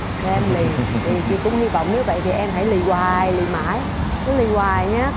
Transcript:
do em lì thì chị cũng hy vọng nếu vậy thì em hãy lì hoài lì mãi cứ lì hoài nhé